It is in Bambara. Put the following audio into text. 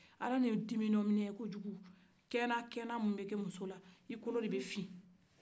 ala ni dimi muɲukojugu kɛna kɛna mun bɛ kɛ musola i kolo de bɛ fin